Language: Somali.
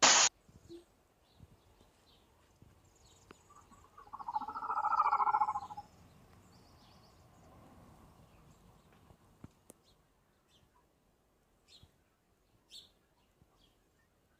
Halkaan waxaa ka muuqdo oday ciimaamad buluug iyo shaati cadays iyo fanaanad buluug